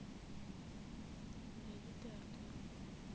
давид и артур